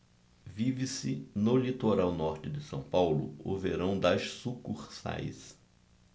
vive-se no litoral norte de são paulo o verão das sucursais